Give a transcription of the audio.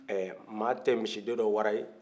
ɛɛ maa tɛ misi den dɔ wara ye